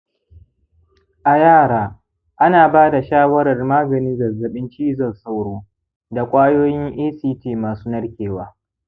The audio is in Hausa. a yara, ana ba da shawarar maganin zazzaɓin cizon sauro da ƙwayoyin act masu narkewa